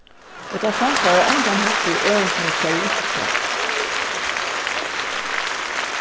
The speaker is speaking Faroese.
og tað samsvarar á ongan hátt við ørindini hjá jesus pápa